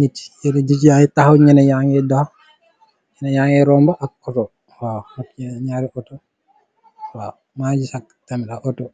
nit yi di jaye takhaw nyenen yange rumba ak autor waw ak yenen nyari autor